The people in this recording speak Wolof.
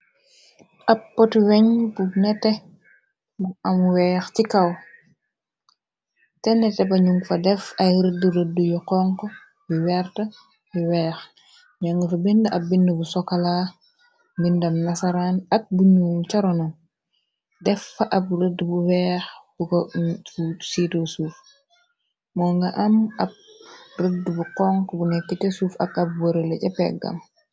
ab pot weñ bu nete bu am weex ci kaw te nete ba nu fa def ay rëdd rëdd yu xonk bi wert yu weex ñoo nga fa bind ab bind bu sokala mbindam nasaraan ak buñu carono def fa ab rëdd bu weex bu konb siito suuf moo nga am ab rëdd bu xonk bu nekki te suuf ak ab wërë la ja peggam